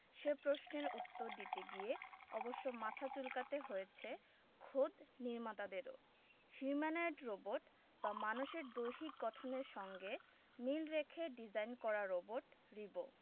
সে প্রশ্নের উত্তর দিতে গিয়ে অবশ্য মাথা চুলকাতে হয়েছে খোদ নির্মাতাদেরও হিউম্যানোয়েড রোবট বা মানুষের দৈহিক গঠনের সঙ্গে মিল রেখে ডিজাইন করা রোবট রিবো